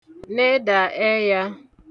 nedà ẹyā